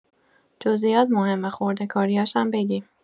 جزئیات مهمه خورده کاریاشم بگیم